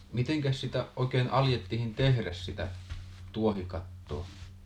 mitenkäs sitä oikein alettiin tehdä sitä tuohikattoa